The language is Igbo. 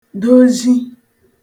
dozhi